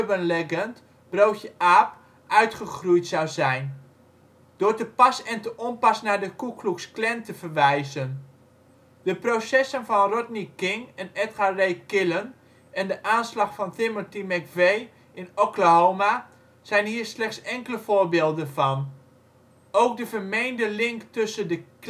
legend (broodje aap) uitgegroeid zou zijn - door te pas en te onpas naar de Ku Klux Klan te verwijzen. De processen van Rodney King en Edgar Ray Killen en de aanslag van Timothy McVeigh in Oklahoma zijn hier slechts enkele voorbeelden van. Ook de vermeende link tussen de